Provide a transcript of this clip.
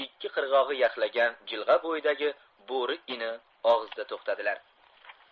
ikki qirg'og'i yaxlagan jilg'a bo'yidagi bo'ri ini og'zida to'xtadilar